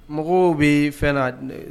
Mɔgɔw bɛ fɛn na